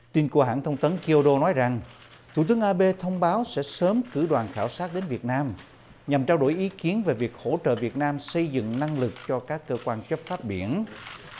tin của hãng thông tấn ki ô đô nói rằng thủ tướng a bê thông báo sẽ sớm cử đoàn khảo sát đến việt nam nhằm trao đổi ý kiến về việc hỗ trợ việt nam xây dựng năng lực cho các cơ quan chấp pháp biển